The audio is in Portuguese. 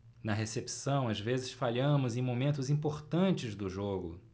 na recepção às vezes falhamos em momentos importantes do jogo